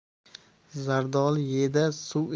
zardoli ye da suv